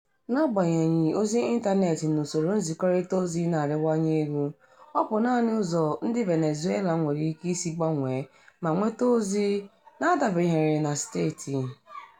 N'agbanyeghị ozi ịntanetị na usoro nzikọrịta ozi na-arịwanye elu bụ naanị ụzọ ndị Venezuelan nwere ike isi gbanwee ma nweta ozi na-adabereghị na steeti.